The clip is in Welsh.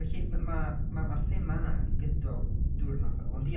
Felly ma' ma' ma' ma'r thema yna yn gydol drwy'r nofel ond ia...